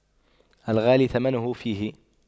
الغالي ثمنه فيه